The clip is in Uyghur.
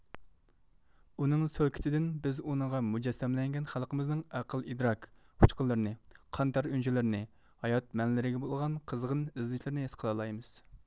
ئۇنىڭ سۆلكىتىدىن بىز ئۇنىڭغا مۇجەسسەملەنگەن خەلقىمىزنىڭ ئەقىل ئىدراك ئۇچقۇنلىرىنى قان تەر ئۈنچىلىرىنى ھايات مەنىلىرىگە بولغان قىزغىن ئىزدىنىشلىرىنى ھېس قىلالايمىز